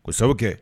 O sababu kɛ